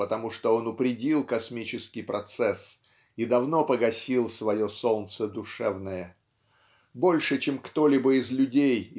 потому что он упредил космический процесс и давно погасил свое солнце душевное. Больше чем кто-либо из людей